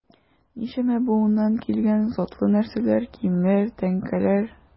Ничәмә буыннан килгән затлы нәрсәләр, киемнәр, тәңкәләр...